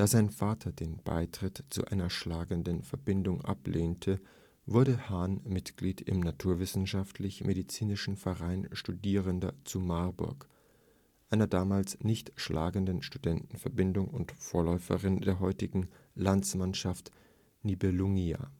sein Vater den Beitritt zu einer schlagenden Verbindung ablehnte, wurde Hahn Mitglied im ‚ Naturwissenschaftlich-Medizinischen Verein Studierender ‘zu Marburg, einer damals nicht schlagenden Studentenverbindung und Vorläuferin der heutigen Landsmannschaft Nibelungia